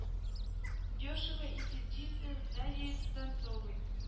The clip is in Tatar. Дешево и сердито с дарьей донцовой